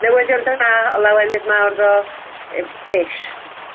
Newyddion da o lawenydd mawr tho yym ish